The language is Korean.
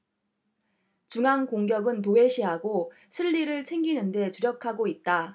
중앙 공격은 도외시하고 실리를 챙기는 데 주력하고 있다